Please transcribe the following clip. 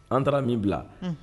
An taara min bila